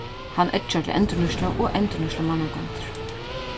hann eggjar til endurnýtslu og endurnýtslumannagongdir